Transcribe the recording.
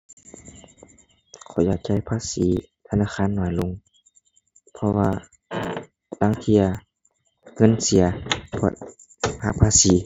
ข้อยอยากจ่ายภาษีธนาคารน้อยลง เพราะว่าลางเที่ยเงินเสียเพราะหักภาษี